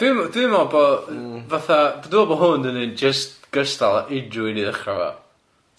Dwi'n dwi'n me'l bo' fatha dwi'n me'l bo' hwn yn un jyst cystal a unrhyw un i ddechra 'fo.